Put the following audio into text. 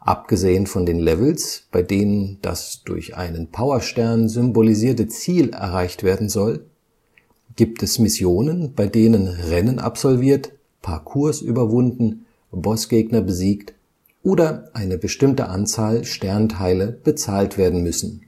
Abgesehen von den Levels, bei denen das durch einen Powerstern symbolisierte Ziel erreicht werden soll, gibt es Missionen, bei denen Rennen absolviert, Parcours überwunden, Bossgegner besiegt oder eine bestimmte Anzahl Sternteile bezahlt werden müssen